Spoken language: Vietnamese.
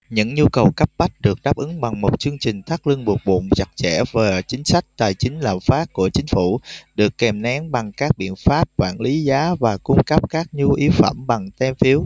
những nhu cầu cấp bách được đáp ứng bằng một chương trình thắt lưng buộc bụng chặt chẽ và chính sách tài chính lạm phát của chính phủ được kìm nén bằng các biện pháp quản lý giá và cung cấp các nhu yếu phẩm bằng tem phiếu